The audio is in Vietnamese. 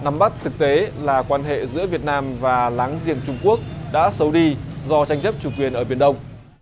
nắm bắt thực tế là quan hệ giữa việt nam và láng giềng trung quốc đã xấu đi do tranh chấp chủ quyền ở biển đông